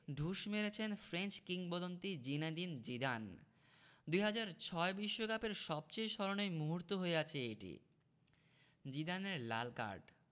ঢুস মেরেছেন ফ্রেঞ্চ কিংবদন্তি জিনেদিন জিদান ২০০৬ বিশ্বকাপের সবচেয়ে স্মরণীয় মুহূর্ত হয়ে আছে এটি জিদানের লাল কার্ড